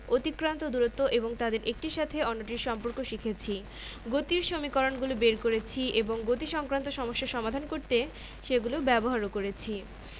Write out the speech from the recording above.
অতিক্রান্ত দূরত্ব এবং তাদের একটির সাথে অন্যটির সম্পর্ক শিখেছি গতির সমীকরণগুলো বের করেছি এবং গতিসংক্রান্ত সমস্যা সমাধান করতে সেগুলো ব্যবহারও করেছি